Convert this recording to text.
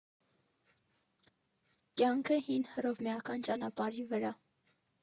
Կյանքը հին հռովմեական ճանապարհի վրա։